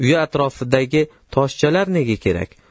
uya atrofidagi toshchalar nega kerak